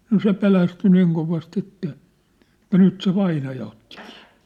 no se pelästyi niin kovasti että että nyt se vainaja otti kiinni